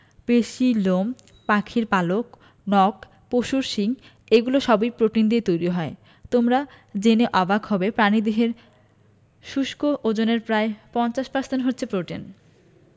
পেশি লোম পাখির পালক নখ পশুর শিং এগুলো সবই প্রোটিন দিয়ে তৈরি হয় তোমরা জেনে অবাক হবে প্রাণীদেহের শুষ্ক ওজনের প্রায় ৫০% হচ্ছে প্রোটিন